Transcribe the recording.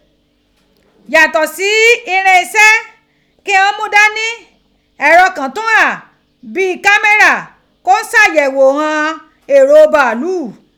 Yatọ si irinṣẹ ki ghan n mu dani, ẹrọ kan tun gha bi kamẹra ko n ṣe ayẹgho ighan eero baalu.